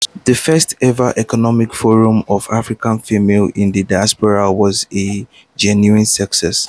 This first ever Economic Forum of African females in the Diaspora was a genuine success.